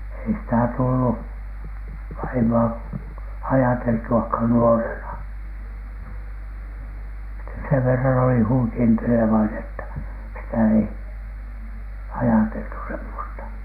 ei sitä tullut vaimoa ajateltuakaan nuorena sitä sen verran oli huikentelevainen että sitä ei ajateltu semmoista